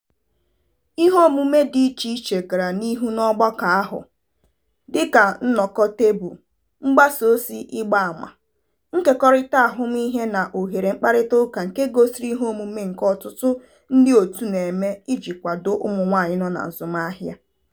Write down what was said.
Iheomume dị icheiche gara n'ihu n'ọgbakọ ahụ, dịka nnọkọ tebụl, mgbasaozi ịgbaama, nkekọrịta ahụmihe na ohere mkparịtaụka nke gosiri iheomume nke ọtụtụ ndị òtù na-eme iji kwado ụmụnwaanyị nọ n'azụmahịa.